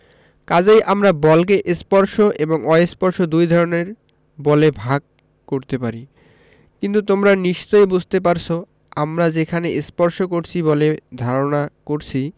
কাজেই আমরা বলকে স্পর্শ এবং অস্পর্শ দুই ধরনের বলে ভাগ করতে পারি কিন্তু তোমরা নিশ্চয়ই বুঝতে পারছ আমরা যেখানে স্পর্শ করছি বলে ধারণা করছি